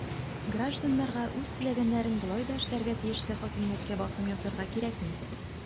Гражданнарга үз теләгәннәрен болай да эшләргә тиешле хакимияткә басым ясарга кирәкми.